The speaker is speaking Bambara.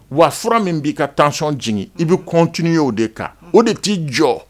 Wa fura min b'i ka taasɔn jigin i bɛ cot o de kan o de t'i jɔ